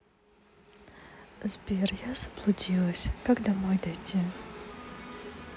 сбер я заблудилась как домой дойти